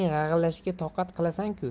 g'ag'illashiga toqat qilasan ku